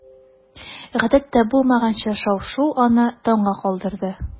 Гадәттә булмаганча шау-шу аны таңга калдырды.